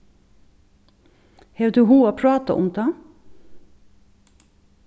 hevur tú hug at práta um tað